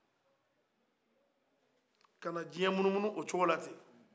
kana dunuya munumunu o cogo la ten